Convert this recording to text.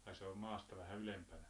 ai se oli maasta vähän ylempänä